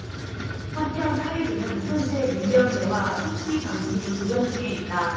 한편 타이즈는 현재 민병대와 후티 반군이 교전 중에 있다